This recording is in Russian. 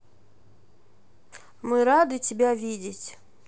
мы рады тебя видеть